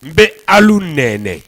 N bɛ aw nɛg ɛ